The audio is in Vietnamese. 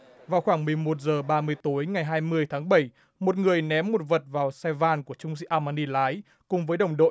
vào khoảng mười một giờ ba mươi tối ngày hai mươi tháng bảy một người ném một vật vào xe van của trung sĩ a ma ni lái cùng với đồng đội